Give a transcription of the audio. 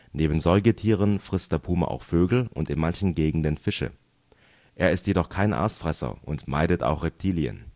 Neben Säugetieren frisst der Puma auch Vögel und in manchen Gegenden Fische. Er ist jedoch kein Aasfresser und meidet auch Reptilien